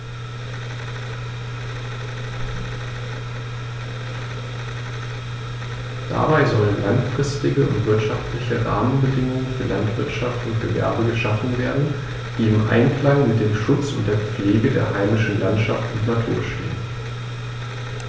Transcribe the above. Dabei sollen langfristige und wirtschaftliche Rahmenbedingungen für Landwirtschaft und Gewerbe geschaffen werden, die im Einklang mit dem Schutz und der Pflege der heimischen Landschaft und Natur stehen.